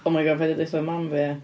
Oh my God, paid â deud wrtha mam fi, ia.